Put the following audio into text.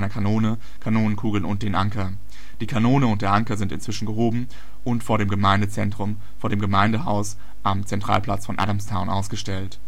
Kanone, Kanonenkugeln und den Anker. Die Kanone und der Anker sind inzwischen gehoben und vor dem Gemeindehaus am Zentralplatz von Adamstown ausgestellt